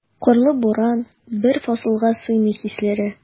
Карлы буран, бер фасылга сыймый хисләре.